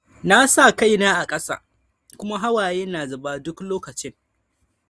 “Nasa kaina a kasa, kuma hawaye na zuba duk lokacin.